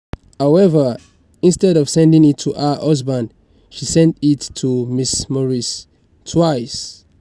However, instead of sending it to her husband, she sent it to Ms. Maurice, twice.